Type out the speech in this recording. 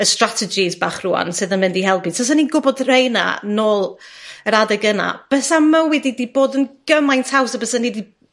y strategies bach rŵan sydd yn mynd i helpu, taswn i'n gwbod rheina nôl yr adeg yna bysa'm mywyd i 'di bod yn gymaint haws a bysa'n i 'di